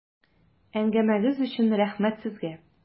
Әңгәмәгез өчен рәхмәт сезгә!